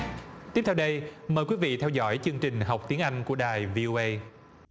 tiếp theo đây mời quý vị theo dõi chương trình học tiếng anh của đài vi ô ây